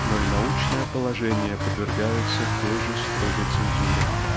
но и научные положения подвергаются той же строгой цензуре.